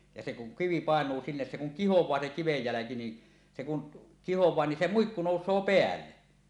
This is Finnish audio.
ja se kun kivi painuu sinne se kun kihoaa se kiven jälki niin se kun kihoaa niin se muikku nousee päälle